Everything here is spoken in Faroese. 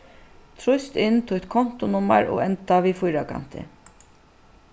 trýst inn títt kontunummar og enda við fýrakanti